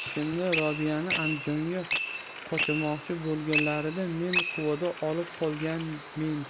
o'shanda robiyani andijonga qochirmoqchi bo'lganlarida men quvada olib qolganmen